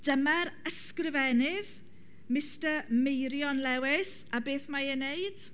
Dyma'r ysgrifennydd, mister Meirion Lewis, a beth mae e'n wneud?